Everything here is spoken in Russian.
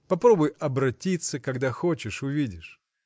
Попробуй обратиться когда хочешь, увидишь!